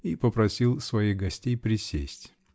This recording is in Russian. и попросил своих гостей присесть.